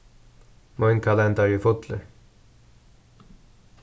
mín kalendari er fullur